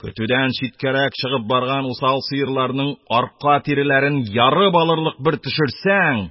Көтүдән читкәрәк чыгып барган усал сыерларның арка тиреләрен ярып алырлык бер төшерсәң -